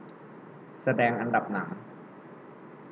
แสดงอันดับหนัง